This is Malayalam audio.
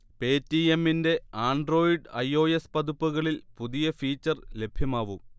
പേറ്റിയമ്മിന്റെ ആൻഡ്രോയിഡ് ഐ. ഓ. എസ് പതിപ്പുകളിൽ പുതിയ ഫീച്ചർ ലഭ്യമാവും